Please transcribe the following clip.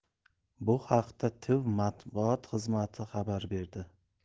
bu haqda tiv matbuot xizmati xabar berdi